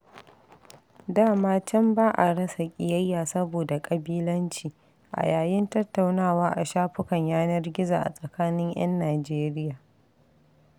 Da ma can ba a rasa ƙiyayya saboda ƙabilanci a yayin tattaunawa a shafukan yanar gizo a tsakanin 'yan Nijeriya